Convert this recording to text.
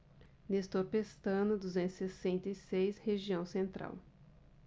nestor pestana duzentos e sessenta e seis região central